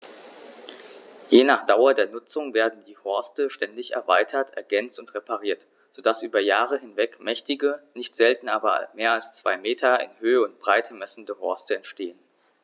Je nach Dauer der Nutzung werden die Horste ständig erweitert, ergänzt und repariert, so dass über Jahre hinweg mächtige, nicht selten mehr als zwei Meter in Höhe und Breite messende Horste entstehen.